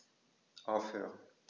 Aufhören.